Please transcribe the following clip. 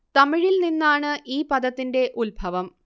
തമിഴിൽ നിന്നാണ് ഈ പദത്തിന്റെ ഉൽഭവം